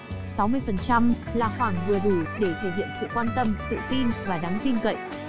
phần trăm là khoảng vừa đủ để thể hiện sự quan tâm tự tin và đáng tin cậy